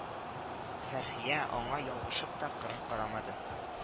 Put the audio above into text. Фәрхия аңа ялгышып та кырын карамады